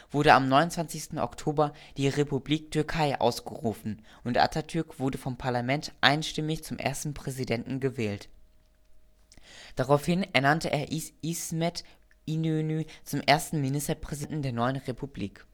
wurde am 29. Oktober die Republik Türkei ausgerufen und Atatürk wurde vom Parlament einstimmig zum ersten Präsidenten gewählt. Daraufhin ernannte er İsmet İnönü zum ersten Ministerpräsidenten der neuen Republik